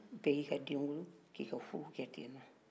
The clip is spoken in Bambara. bɛɛ y'i ka den wolo k'i ka furu kɛ tenɔn